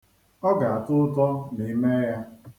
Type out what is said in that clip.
Ọ ga-atọ ụtọ ma i mee ya.